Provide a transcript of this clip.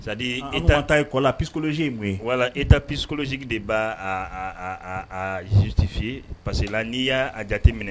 Zanalidi e taa n ta kɔla pp kolosi in wala e tɛ psi de b' zztifiye parcesi la n'i y'a jate minɛ